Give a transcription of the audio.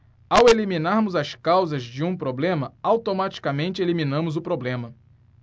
ao eliminarmos as causas de um problema automaticamente eliminamos o problema